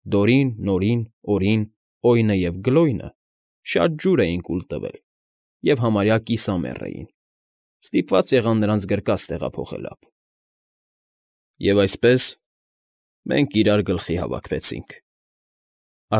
Դորին, Նորին, Օրին, Օյնը և Գլոյնը շատ ջուր էին կուլ տվել և համարյա կիսամեռ էին, ստիպված եղան նրանց գրկած տեղափոխել ափ։ ֊ Եվ այսպես, մենք իրար գլխի հավաքվեցինք,֊